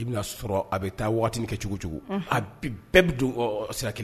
I bɛna sɔrɔ a bɛ taa waati kɛ cogo cogo a bɛɛ bɛ don sira kelen